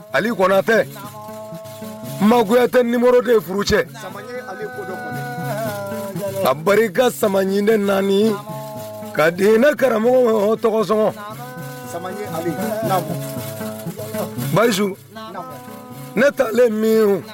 Ali kɔnnatɛ makutɛ niɔrɔden furu cɛ ka barikaka samaɲ de naani ka di ne karamɔgɔ tɔgɔsɔngɔ marisiw ne taa ale min